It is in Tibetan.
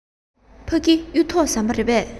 ཕ གི གཡུ ཐོག ཟམ པ རེད པས